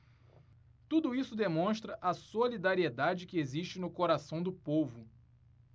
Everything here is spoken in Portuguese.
tudo isso demonstra a solidariedade que existe no coração do povo